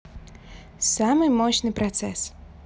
самый мощный процесс